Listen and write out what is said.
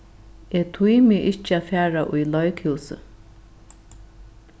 eg tími ikki at fara í leikhúsið